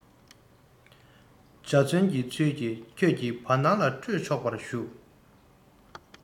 འཇའ ཚོན གྱི ཚུལ གྱིས ཁྱེད ཀྱི བར སྣང ལ སྤྲོས ཆོག པར ཞུ